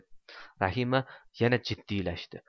rahima yana jiddiylashdi